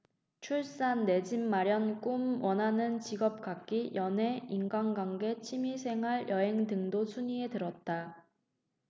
출산 내 집 마련 꿈 원하는 직업 갖기 연애 인간관계 취미생활 여행 등도 순위에 들었다